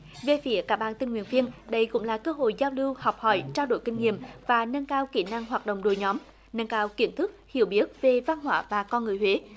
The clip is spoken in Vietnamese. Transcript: về phía các bạn tình nguyện viên đây cũng là cơ hội giao lưu học hỏi trao đổi kinh nghiệm và nâng cao kỹ năng hoạt động đội nhóm nâng cao kiến thức hiểu biết về văn hóa và con người huế